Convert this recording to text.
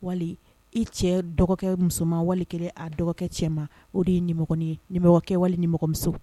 Wali i cɛ dɔgɔkɛ musoman walikelen a dɔgɔkɛ cɛ ma o de ye ni ninkɛwale nimɔgɔmusow